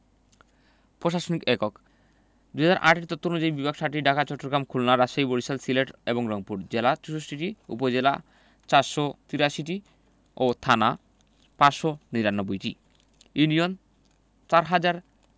প্রশাসনিক এককঃ ২০০৮ এর তথ্য অনুযায়ী বিভাগ ৭টি ঢাকা চট্টগ্রাম খুলনা রাজশাহী বরিশাল সিলেট এবং রংপুর জেলা ৬৪টি উপজেলা ৪৮৩টি ও থানা ৫৯৯টি ইউনিয়ন ৪হাজার